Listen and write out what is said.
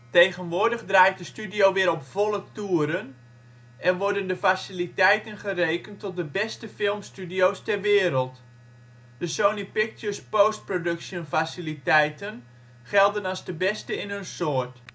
Tegenwoordig draait de studio weer op volle toeren en worden de faciliteiten gerekend tot de beste filmstudio 's ter wereld. De Sony Pictures Post Production-faciliteiten gelden als de beste in hun soort